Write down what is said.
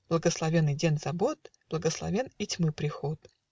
Благословен и день забот, Благословен и тьмы приход!